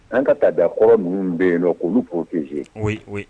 An ka ta dakɔrɔ ninnu bɛɛ yen la k'olu purpise u